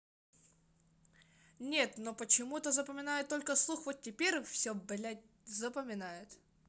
нет но почему то запоминает только слух вот теперь все блять запоминает